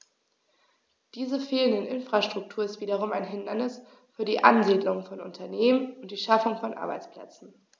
Diese fehlende Infrastruktur ist wiederum ein Hindernis für die Ansiedlung von Unternehmen und die Schaffung von Arbeitsplätzen.